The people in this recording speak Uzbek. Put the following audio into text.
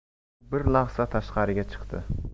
u bir lahzaga tashqariga chiqdi